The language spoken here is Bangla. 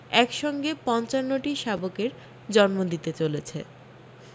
এক সঙ্গে পঞ্চান্নটি শাবকের জন্ম দিতে চলেছে